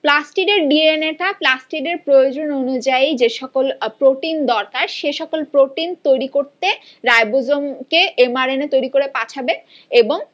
প্লাস্টিডের DNA টা plastid এর প্রয়োজন অনুযায়ী যে সকল প্রোটিন দরকার সে সকল প্রোটিন তৈরি করতে রাইবোজোম কে এম আর এন এ তৈরি করে পাঠাবে এবং